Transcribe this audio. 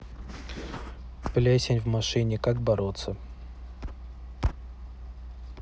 плесень в машине как бороться